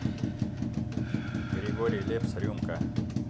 григорий лепс рюмка